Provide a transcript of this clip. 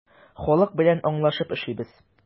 Халык белән аңлашып эшлибез.